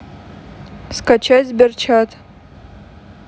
скачать сберчат